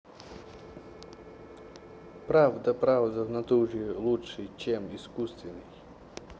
правда правда в натуре лучше чем искусственный